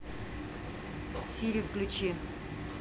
сири включи